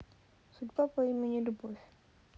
судьба по имени любовь